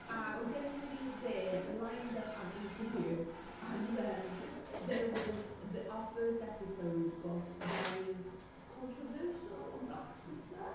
A oedd gynnon i fiw- fe lined up am interview, and then there was... our first episode got very controversial on black twitter.